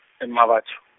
e- Mmabatho.